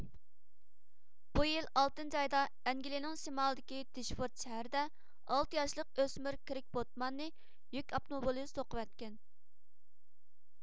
بۇ يىل ئالتىنچى ئايدا ئەنگىلىيىنىڭ شىمالىدىكى دىشفورت شەھىرىدە ئالتە ياشلىق ئۆسمۈر كىركبودماننى يۈك ئاپتوموبىلى سوقۇۋەتكەن